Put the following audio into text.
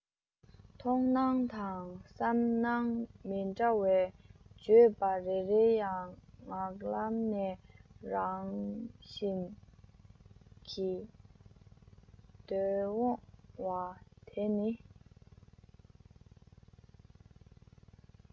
མཐོང སྣང དང བསམ སྣང མི འདྲ བའི བརྗོད པ རེ རེ ཡང ངག ལམ ནས རང བཞིན གྱིས བརྡོལ འོང བ དེ ནི